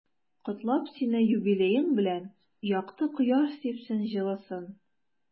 Котлап сине юбилеең белән, якты кояш сипсен җылысын.